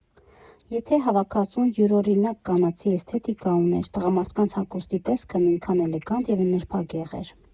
Եթե հավաքածուն յուրօրինակ կանացի էսթետիկա ուներ, տղամարդկանց հագուստի տեսքը նույնքան էլեգանտ և նրբագեղ էր։